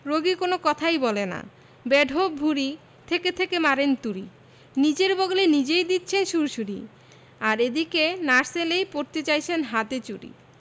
রোগী কোন কথাই বলে না বেঢপ ভূঁড়ি থেকে থেকে মারেন তুড়ি নিজের বগলে নিজেই দিচ্ছেন সুড়সুড়ি আর এদিকে নার্স এলেই পরতে চাইছেন হাতে চুড়ি